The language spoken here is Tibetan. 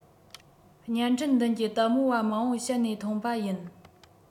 བརྙན འཕྲིན མདུན གྱི ལྟད མོ བ མང པོ བཤད ནས མཐོང པ ཡིན